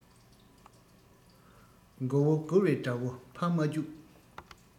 མགོ བོ བསྒུར བའི དགྲ བོ ཕམ མ བཅུག